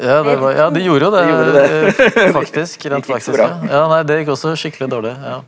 ja det var ja de gjorde jo det faktisk rent faktisk ja nei det gikk også skikkelig dårlig ja.